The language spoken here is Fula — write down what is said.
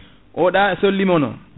o ɗa sol lumineux